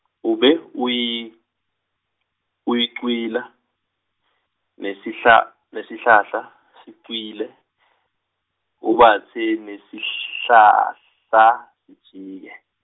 ube, uy- uyacwila, nesihla- nesihlahla sicwile, ubatse nesihlahla, sijike.